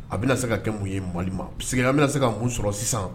A bɛ na se ka kɛ mun ye Mali ma puisque an bɛ na sen ka mun sɔrɔ sisan